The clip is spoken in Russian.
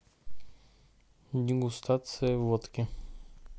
дегустация водки